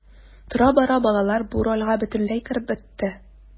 Тора-бара балалар бу рольгә бөтенләй кереп бетте.